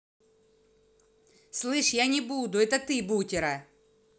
слышь я не буду это ты бутера